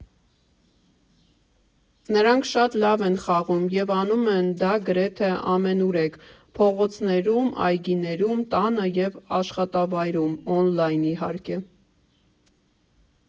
Նրանք շատ լավ են խաղում և անում են դա գրեթե ամենուրեք՝ փողոցներում, այգիներում, տանը և աշխատավայրում, օնլայն, իհարկե։